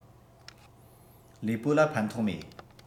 ལུས པོ ལ ཕན ཐོགས མེད